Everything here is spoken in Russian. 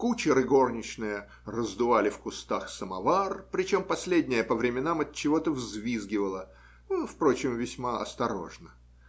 кучер и горничная раздували в кустах самовар, причем последняя по временам отчегото взвизгивала, впрочем, весьма осторожно.